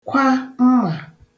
kwa mmà